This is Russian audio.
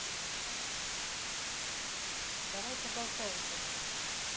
давай поболтаем тогда